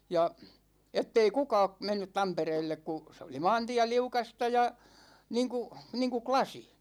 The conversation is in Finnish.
ja että ei kukaan mennyt Tampereelle kun se oli maantie liukasta ja niin kuin niin kuin lasi